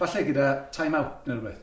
Falle gyda Time Out neu rwbeth.